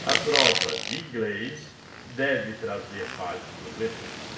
a prova de inglês deve trazer mais problemas